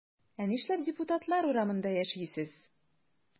Ә нишләп депутатлар урамында яшисез?